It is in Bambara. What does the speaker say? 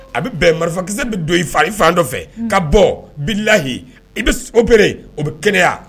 A bɛ bɛn marifakisɛ bɛ don i fa fan dɔ fɛ ka bɔ bilahi i bɛere o bɛ kɛnɛyaya